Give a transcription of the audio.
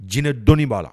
Jinɛ dɔnnii b'a la